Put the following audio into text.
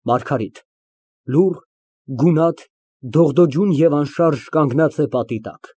ՄԱՐԳԱՐԻՏ ֊ (Լուռ, գունատ, դողդոջուն և անշարժ կանգնած է պատի տակ)։